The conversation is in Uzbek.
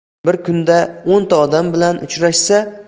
bir kunda o'nta odam bilan uchrashsa